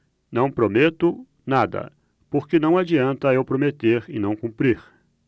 não prometo nada porque não adianta eu prometer e não cumprir